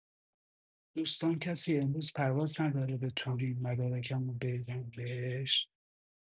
دوستان کسی امروز پرواز نداره به تورین مدارکمو بدم بهش؟